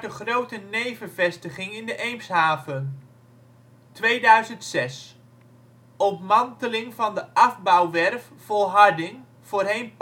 grote nevenvestiging in de Eemshaven 2006 - ontmanteling van de afbouwwerf Volharding (voorheen